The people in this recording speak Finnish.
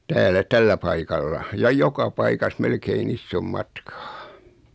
täällä tällä paikalla ja joka paikassa melkein ison matkaa